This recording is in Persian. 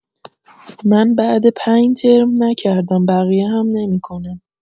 من‌بعد ۵ ترم نکردم بقیه هم نمی‌کنن